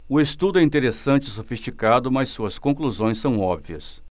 o estudo é interessante e sofisticado mas suas conclusões são óbvias